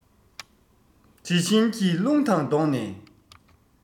དྲི བཞིན གྱི རླུང དང བསྡོངས ནས